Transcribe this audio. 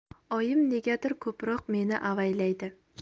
oyim negadir ko'proq meni avaylaydi